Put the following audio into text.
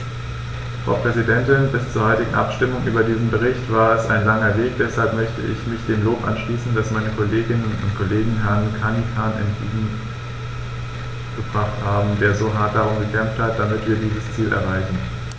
Frau Präsidentin, bis zur heutigen Abstimmung über diesen Bericht war es ein langer Weg, deshalb möchte ich mich dem Lob anschließen, das meine Kolleginnen und Kollegen Herrn Cancian entgegengebracht haben, der so hart darum gekämpft hat, damit wir dieses Ziel erreichen.